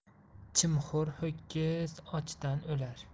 chimxo'r ho'kiz ochdan o'lar